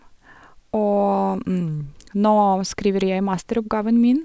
Og nå skriver jeg masteroppgaven min.